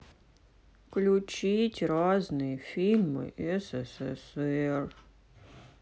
включить разные фильмы ссср